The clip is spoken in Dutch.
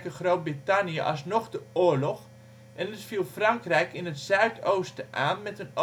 Groot-Brittannië alsnog de oorlog en het viel Frankrijk in het zuidoosten aan met